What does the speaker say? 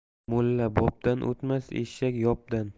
mulla bobdan o'tmas eshak yopdan